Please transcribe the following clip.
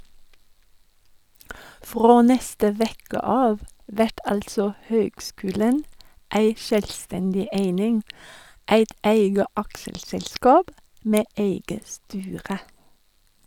Frå neste veke av vert altså høgskulen ei sjølvstendig eining, eit eige aksjeselskap med eige styre.